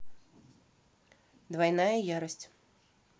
двойная ярость